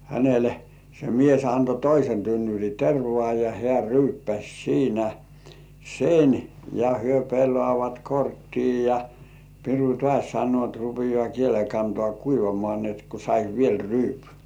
hänelle se mies antoi toisen tynnyrin tervaa ja hän ryyppäsi siinä sen ja he pelaavat korttia ja piru taas sanoo että rupeaa kielen kantaa kuivamaan niin että kun saisi vielä ryypyn